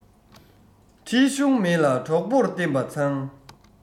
ཁྲེལ གཞུང མེད ལ གྲོགས པོར བསྟེན པ མཚང